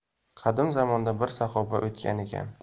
qadim zamonda bir saxoba o'tgan ekan